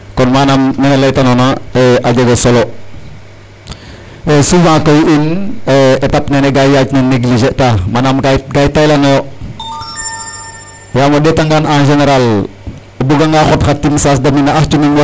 Kon manaam nene laytanoona a jega solo souvent koy in étape nene ka i yaacin o négliger ta manaam ga i taylanooyo yaam o ɗeetangaan en général o buganga xot xa tim saas damine ax cungi wasaare mene classe es ne fop ka layka yee a ax kene daal wax deg yala mimat wagim kene ka niid .